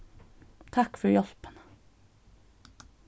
takk fyri hjálpina